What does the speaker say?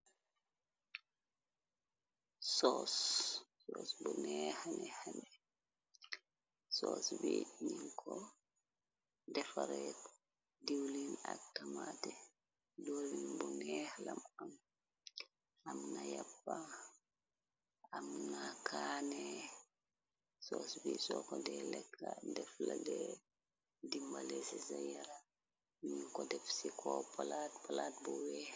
s bu neexane anesos bi ñi ko defareet diiw lin ak kamaate doolin bu neex lam am am na yappa am na kaanee sos bi soko de lekk def lage di mbale ci sa yara yuñu ko def ci ko palaat bu wee.